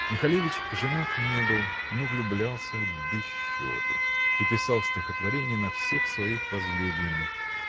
Михалевич женат не был, но влюблялся без счету и писал стихотворения на всех своих возлюбленных